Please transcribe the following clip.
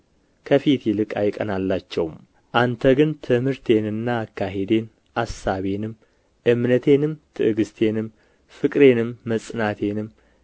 ከፊት ይልቅ አይቀናላቸውም አንተ ግን ትምህርቴንና አካሄዴን አሳቤንም እምነቴንም ትዕግሥቴንም ፍቅሬንም መጽናቴንም